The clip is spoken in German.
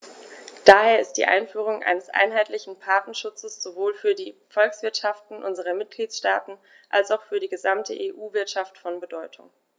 Daher ist die Einführung eines einheitlichen Patentschutzes sowohl für die Volkswirtschaften unserer Mitgliedstaaten als auch für die gesamte EU-Wirtschaft von Bedeutung.